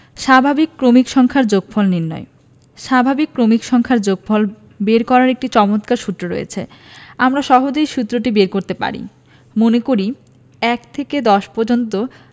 স্বাভাবিক ক্রমিক সংখ্যার যোগফল নির্ণয় স্বাভাবিক ক্রমিক সংখ্যার যোগফল বের করার একটি চমৎকার সূত্র রয়েছে আমরা সহজেই সুত্রটি বের করতে পারি মনে করি ১ থেকে ১০ পর্যন্ত